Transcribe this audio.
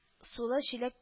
Сулы чиләк